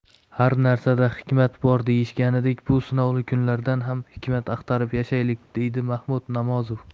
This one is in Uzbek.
har narsada hikmat bor deyishganidek bu sinovli kunlardan ham hikmat axtarib yashaylik deydi mahmud namozov